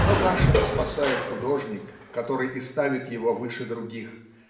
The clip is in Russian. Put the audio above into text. но Гаршина спасает художник, который и ставит его выше других.